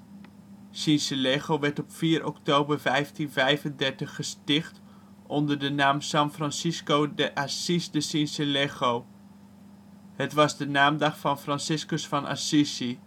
Sincelejo werd op 4 oktober 1535 gesticht onder de naam San Francisco de Asis de Sincelejo. Het was de naamdag van Franciscus van Assisi